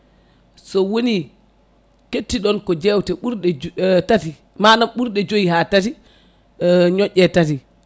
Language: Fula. so woni kettiɗon ko jewte ɓurɗe o tati manam ɓurɗe jooyi ha tati ñoƴƴe tati